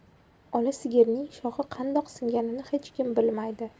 ola sigirning shoxi qandoq singanini hech kim bilmaydi